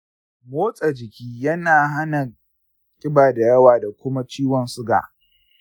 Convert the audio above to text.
motsa jiki yana hana ƙiba da yawa da kuma ciwon suga.